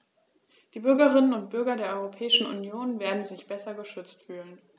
Die Bürgerinnen und Bürger der Europäischen Union werden sich besser geschützt fühlen.